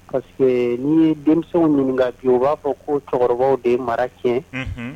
Parce que- n'i ye denmisɛnw ɲininkka bi, u b'a fɔ ko cɛkɔrɔbaw de ye mara tiɲɛ, unhun.